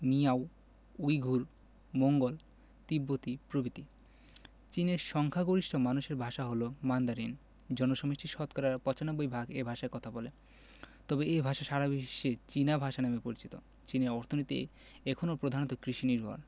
Miao Uighur Mongol তিব্বতি প্রভৃতি চীনের সংখ্যাগরিষ্ঠ মানুষের ভাষা হলো মান্দারিন জনসমষ্টির শতকরা ৯৫ ভাগ এ ভাষায় কথা বলে তবে এ ভাষা সারা বিশ্বে চীনা ভাষা নামে পরিচিত চীনের অর্থনীতি এখনো প্রধানত কৃষিনির্ভর